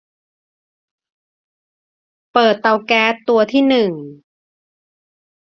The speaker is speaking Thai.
เปิดเตาแก๊สตัวที่หนึ่ง